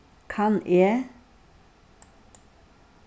kann eg